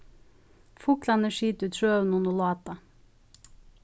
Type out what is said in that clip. fuglarnir sita í trøunum og láta